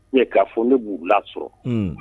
Ye ka fɔ ne bu lasɔrɔ.